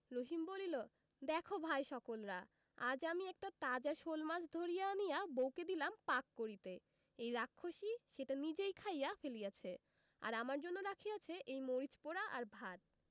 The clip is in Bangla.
রহিম বলিল দেখ ভাই সকলরা আজ আমি একটা তাজা শোলমাছ ধরিয়া আনিয়া বউকে দিলাম পাক করিতে এই রাক্ষসী সেটা নিজেই খাইয়া ফেলিয়াছে আর আমার জন্য রাখিয়াছে এই মরিচ পোড়া আর ভাত